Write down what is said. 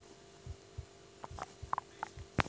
трудная мишень